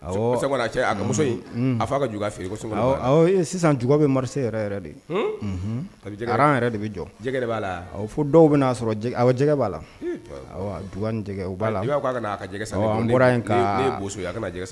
Awɔ, sian kɔni a cɛ a ka muso in a fa ka sisan duga bɛ marché yɛrɛ yɛrɛ de, unhun, rang yɛrɛ de bɛ jɔ, jɛgɛ de b'a la, fo dɔw bɛn'a sɔrɔ, awɔ jɛgɛ b'a la, juga ni jɛgɛ, ne ye bozo ye a ka na jɛgɛ san